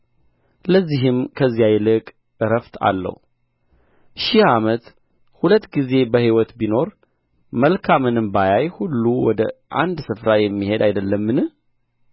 ለዚህም ከዚያ ይልቅ ዕረፍት አለው ሺህ ዓመት ሁለት ጊዜ በሕይወት ቢኖር መልካምንም ባያይ ሁሉ ወደ አንድ ስፍራ የሚሄድ አይደለምን